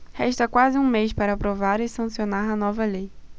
resta quase um mês para aprovar e sancionar a nova lei